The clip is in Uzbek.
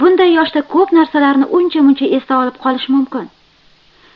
bunday yoshda ko'p narsalarni uncha muncha esda olib qolish mumkin